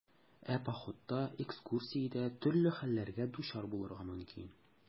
Ә походта, экскурсиядә төрле хәлләргә дучар булырга мөмкин.